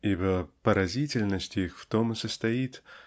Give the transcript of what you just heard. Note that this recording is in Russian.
ибо поразительность их в том и состоит